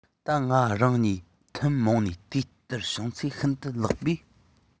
ད ང རང གཉིས ཐུན མོང ནས དེ ལྟར བྱུང ཚེ ཤིན ཏུ ལེགས པས